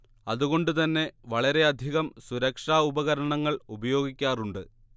അതുകൊണ്ട് തന്നെ വളരെയധികം സുരക്ഷ ഉപകരണങ്ങൾ ഉപയോഗിക്കാറുണ്ട്